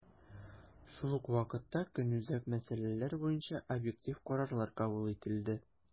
Шул ук вакытта, көнүзәк мәсьәләләр буенча объектив карарлар кабул ителде.